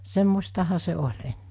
semmoistahan se oli ennen